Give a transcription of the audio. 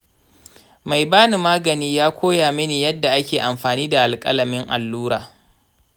mai bani magani ya koya mini yadda ake amfani da alƙalamin allura.